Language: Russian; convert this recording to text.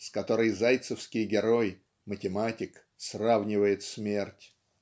с которой зайцевский герой математик сравнивает смерть.